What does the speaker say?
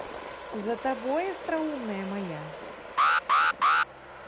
за тобой остроумная моя